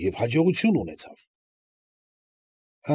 Եվ հաջողություն ունեցավ։